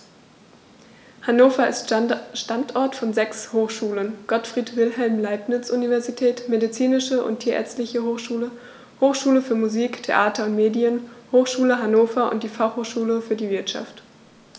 Hannover ist Standort von sechs Hochschulen: Gottfried Wilhelm Leibniz Universität, Medizinische und Tierärztliche Hochschule, Hochschule für Musik, Theater und Medien, Hochschule Hannover und die Fachhochschule für die Wirtschaft.